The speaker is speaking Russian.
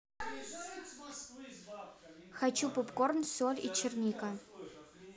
хочу попкорн соль и черника